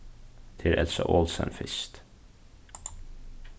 tað er elsa olsen fyrst